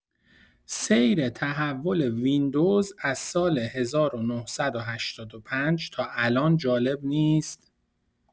سیر تحول ویندوز از سال ۱۹۸۵ تا الان جالب نیست؟